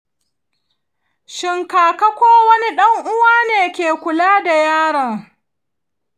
shin kaka ko wani ɗan uwa ne ke kula da yaron?